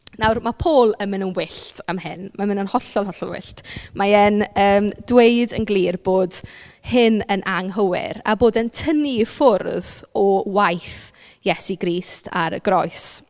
Nawr ma' Paul yn mynd yn wyllt am hyn mae'n mynd yn hollol, hollol wyllt mae e'n yym dweud yn glir bod hyn yn anghywir a bod e'n tynnu ffwrdd o waith Iesu Grist ar y groes.